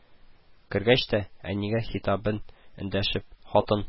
Кергәч тә, әнигә хитабән [эндәшеп]: "Хатын